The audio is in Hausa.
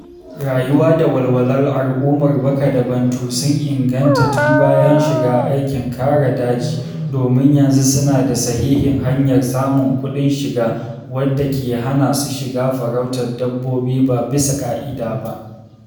Rayuwa da walwalar al’ummar Baka da Bantu sun inganta tun bayan shiga aikin kare daji, domin yanzu suna da sahihin hanyar samun kudin shiga wadda ke hana su shiga farautar dabbobi ba bisa ka’ida ba.